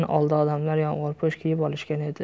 oldi odamlar yomg'irpo'sh kiyib olishgan edi